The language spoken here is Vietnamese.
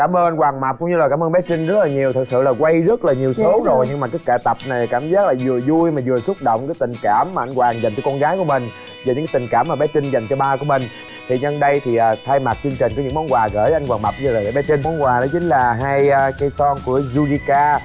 cảm ơn hoàng mạch cũng như là cảm ơn bé trinh rất là nhiều thực sự là quay rất là nhiều số rồi nhưng mà cáp tập này cảm giác là vừa vui mà vừa xúc động cái tình cảm mà anh hoàng dành cho con gái của mình về những tình cảm của bé trinh dành cho ba của mình thì nhân đây thì thay mặt chương trình có những món quà gởi anh hoàng mập với lại gởi bé trinh món quà đó chính là hai cây son của ru ri ka